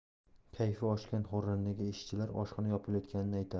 kayfi oshgan xo'randaga ishchilar oshxona yopilayotganini aytadi